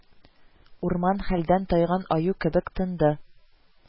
Урман хәлдән тайган аю кебек тынды